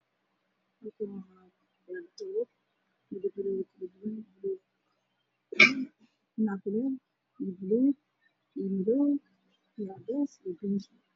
Meeshaan wa dukaan pomble ayaa albamulka waxaa ku jira saaka saaka midabkeedana waa madow